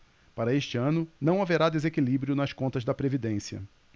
para este ano não haverá desequilíbrio nas contas da previdência